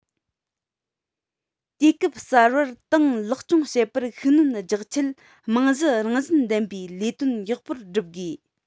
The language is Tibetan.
དུས སྐབས གསར པར ཏང ལེགས སྐྱོང བྱེད པར ཤུགས སྣོན རྒྱག ཆེད རྨང གཞིའི རང བཞིན ལྡན པའི ལས དོན ཡག པོར བསྒྲུབ དགོས